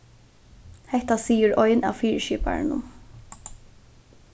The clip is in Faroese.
hetta sigur ein av fyriskiparunum